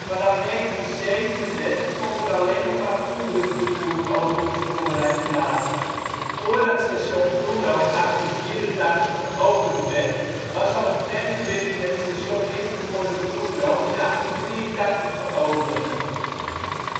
Vanaf 1937 vond er alleen nog maar goederenvervoer over de spoorlijn plaats. Voordat station Groenlo in 1884 geopend werd, was al een tramverbinding met Station Lichtenvoorde-Groenlo in 1883 geopend.